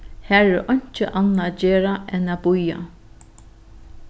har er einki annað at gera enn at bíða